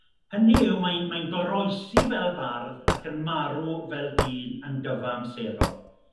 hynny yw mae mae'n goroesi fel bardd ac yn marw fel dyn yn gyfamserol ar